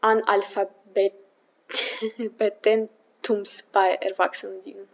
Analphabetentums bei Erwachsenen dienen.